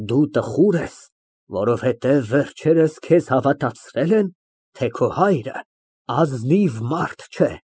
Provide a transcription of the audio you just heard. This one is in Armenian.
Դու տխուր ես, որովհետև վերջերս քեզ հավատացրել են, թե քո հայրն ազնիվ մարդ չէ։